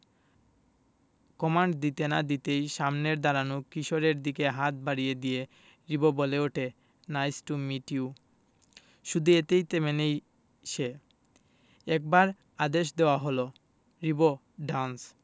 command দিতে না দিতেই সামনের দাঁড়ানো কিশোরের দিকে হাত বাড়িয়ে দিয়ে রিবো বলে উঠে নাইস টু মিট ইউ শুধু এতেই থেমে নেই সে একবার আদেশ দেওয়া হলো রিবো ড্যান্স